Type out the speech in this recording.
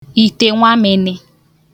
ìte nwamị̄nị̄